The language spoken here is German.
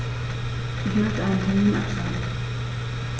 Ich möchte einen Termin absagen.